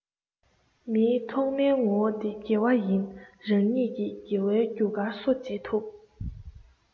མིའི ཐོག མའི ངོ བོ དེ དགེ བ ཡིན རང ཉིད ཀྱི དགེ བའི རྒྱུ བསྐྱར གསོ བྱེད ཐུབ